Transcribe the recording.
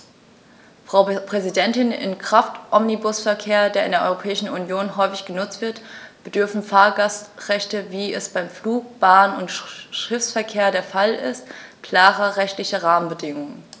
Frau Präsidentin, im Kraftomnibusverkehr, der in der Europäischen Union häufig genutzt wird, bedürfen Fahrgastrechte, wie es beim Flug-, Bahn- und Schiffsverkehr der Fall ist, klarer rechtlicher Rahmenbedingungen.